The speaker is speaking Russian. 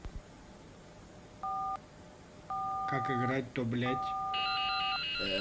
как играть то блять